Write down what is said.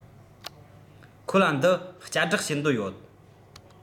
ཁོ ལ འདི བསྐྱར བསྒྲགས བྱེད འདོད ཡོད